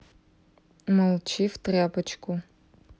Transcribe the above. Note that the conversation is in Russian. молчи в тряпочку